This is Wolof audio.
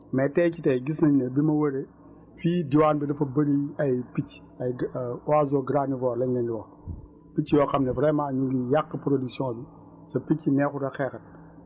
mais tay jii tay gis nañ ne bi ma wëree fii diwaan bi dafa bëri ay picc ay gra oiseaux granivores lañ leen di wax picc yoo xam ne vraiment ñu ngi yàq production bi te picc neexut a xeexal